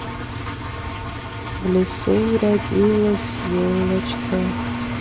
в лесу родилась елочка